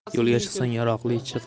yo'lga chiqsang yaroqli chiq